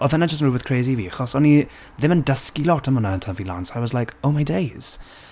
Oedd hynna jyst yn rywbeth crazy i fi, achos o'n i ddim yn dysgu lot am hwnna yn tyfu lan. So I was like, oh my days.